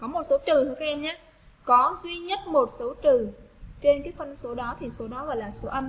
có một số trừ tiền nhé có duy nhất một số trừ trên các phân số đó thì số đó gọi là số